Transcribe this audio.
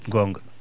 gonga